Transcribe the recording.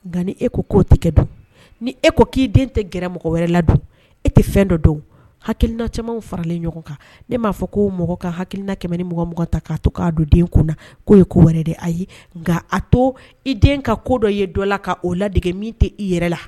Nka ni e ko k'o tɛ don ni e ko k'i den tɛ gɛrɛ mɔgɔ wɛrɛ la don e tɛ fɛn dɔ dɔn hakiina caman faralen ɲɔgɔn kan ne m'a fɔ ko mɔgɔ ka hakiina kɛmɛ ni mɔgɔ mɔgɔ ta k'a to k'a don den kun na ko ye ko wɛrɛ de a ye nka a to i den ka ko dɔ ye dɔ la k ka o lade min tɛ i yɛrɛ la